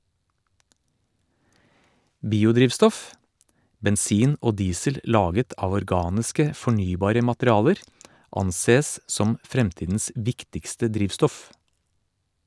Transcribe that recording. Biodrivstoff - bensin og diesel laget av organiske, fornybare materialer ansees som fremtidens viktigste drivstoff.